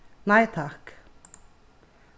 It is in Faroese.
nei takk